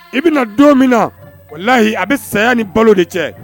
I bɛna na don minna wallahl a bɛ saya ni balo de cɛ.